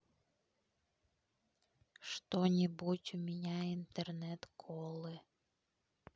что нибудь у меня интернет колы